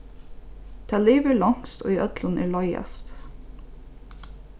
tað livir longst ið øllum er leiðast